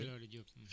Madaw Diop